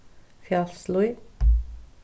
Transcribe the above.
fjalslíð